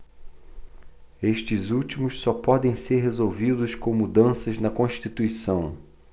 estes últimos só podem ser resolvidos com mudanças na constituição